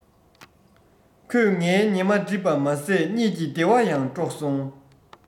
ཁོས ངའི ཉི མ སྒྲིབ པ མ ཟད གཉིད ཀྱི བདེ བ ཡང དཀྲོགས སོང